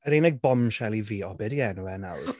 Yr unig bombshell i fi, o, be 'di enw e nawr?